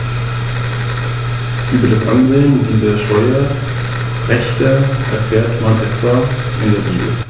Es folgten Konflikte mit den Antigoniden, wobei Rom in Griechenland gegen Philipp V. intervenierte, um den makedonischen Einfluss in Griechenland zurückzudrängen.